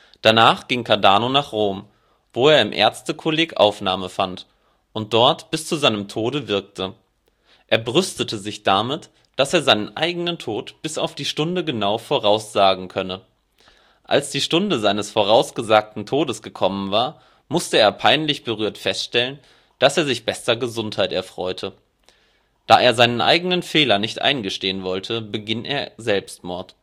Danach ging Cardano nach Rom, wo er im Ärztekolleg Aufnahme fand und dort bis zu seinem Tode wirkte. Er brüstete sich damit, dass er seinen eigenen Tod bis auf die Stunde genau voraussagen könne. Als die Stunde seines vorausgesagten Todes gekommen war, musste er peinlich berührt feststellen, dass er sich bester Gesundheit erfreute. Da er seinen eigenen Fehler nicht eingestehen wollte, beging er Selbstmord